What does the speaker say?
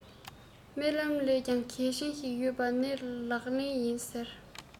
རྨི ལམ ལས ཀྱང གལ ཆེན ཞིག ཡོད པ ནི ལག ལེན ཡིན ཟེར